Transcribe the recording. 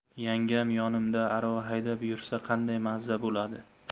yangam yonimda arava haydab yursa qanday maza bo'ladi